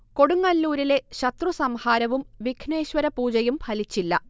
കൊടുങ്ങല്ലൂരിലെ ശത്രു സംഹാരവും വിഘ്നേശ്വര പൂജയും ഫലിച്ചില്ല